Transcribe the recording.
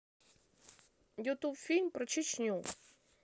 ютуб фильм про чечню